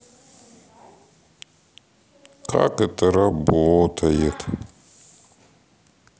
как это работает